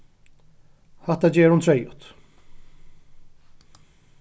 hatta ger hon treyðugt